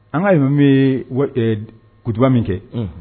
An ka bɛ kutuba min kɛ